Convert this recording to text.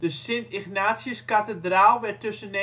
Sint-Ignatiuskathedraal werd tussen